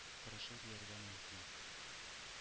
Тырышу дияргә мөмкин.